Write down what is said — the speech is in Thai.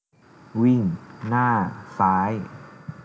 วิ่งหน้าซ้าย